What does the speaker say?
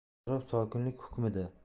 atrof sokinlik hukmida